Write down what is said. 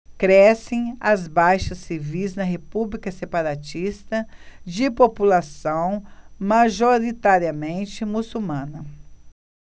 crescem as baixas civis na república separatista de população majoritariamente muçulmana